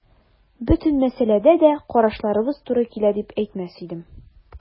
Бөтен мәсьәләдә дә карашларыбыз туры килә дип әйтмәс идем.